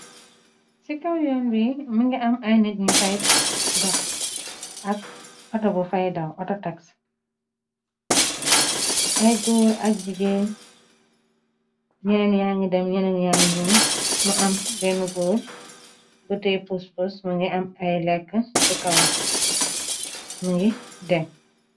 Ci kaw yonn bi mi ngi am ay nit ñu fay dox ak ata bu fydaw autotax ay góor ak jigéer ñeneen yang dem mu am ren gór gute puspus mi ngi am ay lekk ci kawa mi ngi dem.